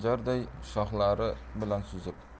xanjarday shoxlari bilan suzib